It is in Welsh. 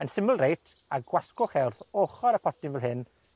yn syml reit, a gwasgwch e wrth ochr y potyn fel hyn,